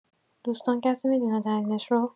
دوستان کسی می‌دونه دلیلش رو؟